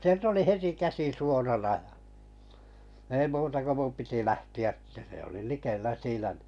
sieltä oli heti käsi suorana ja ei muuta kuin minun piti lähteä että se oli likellä siinä niin